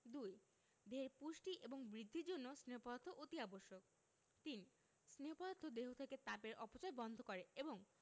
২. দেহের পুষ্টি এবং বৃদ্ধির জন্য স্নেহ পদার্থ অতি আবশ্যক ৩. স্নেহ পদার্থ দেহ থেকে তাপের অপচয় বন্ধ করে এবং